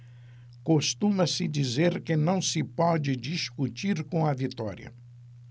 costuma-se dizer que não se pode discutir com a vitória